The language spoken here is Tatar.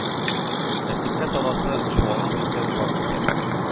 Тәртипкә саласы, чуалган хисләрен барлыйсы,